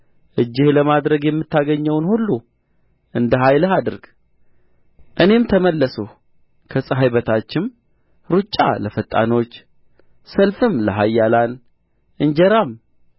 እጅህ ለማድረግ የምታገኘውን ሁሉ እንደ ኃይልህ አድርግ እኔም ተመለስሁ ከፀሐይ በታችም ሩጫ ለፈጣኖች ሰልፍም ለኃያላን እንጀራም